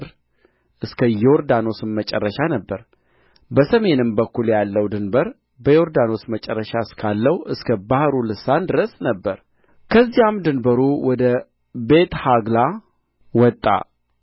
እስከ ዮርዳኖስም መጨረሻ ነበረ በሰሜንም በኩል ያለው ድንበር በዮርዳኖስ መጨረሻ እስካለው እስከ ባሕሩ ልሳን ድረስ ነበረ ከዚያም ድንበሩ ወደ ቤትሖግላ ወጣ